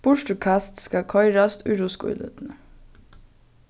burturkast skal koyrast í ruskíløtini